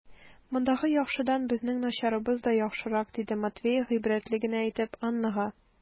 Мондагы яхшыдан безнең начарыбыз да яхшырак, - диде Матвей гыйбрәтле генә итеп Аннага.